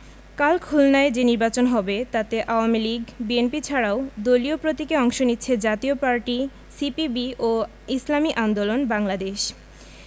কাল খুলনায় যে নির্বাচন হবে তাতে আওয়ামী লীগ বিএনপি ছাড়াও দলীয় প্রতীকে অংশ নিচ্ছে জাতীয় পার্টি সিপিবি ও ইসলামী আন্দোলন বাংলাদেশ